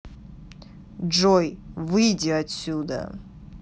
джой выйди отсюда